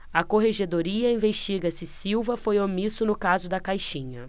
a corregedoria investiga se silva foi omisso no caso da caixinha